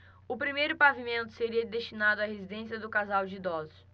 o primeiro pavimento seria destinado à residência do casal de idosos